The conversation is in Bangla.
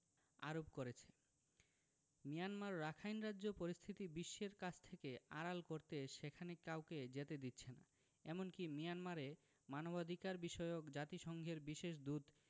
আরোপ করেছে মিয়ানমার রাখাইন রাজ্য পরিস্থিতি বিশ্বের কাছ থেকে আড়াল করতে সেখানে কাউকে যেতে দিচ্ছে না এমনকি মিয়ানমারে মানবাধিকারবিষয়ক জাতিসংঘের বিশেষ দূত